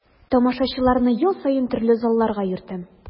Тамашачыларны ел саен төрле залларга йөртәм.